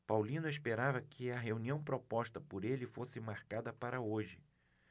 paulino esperava que a reunião proposta por ele fosse marcada para hoje